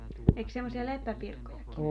eikös semmoisia leppäpirkkojakin ole